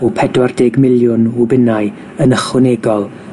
o pedwar deg miliwn o bunnau yn ychwanegol